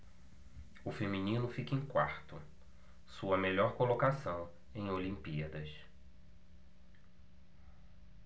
o feminino fica em quarto sua melhor colocação em olimpíadas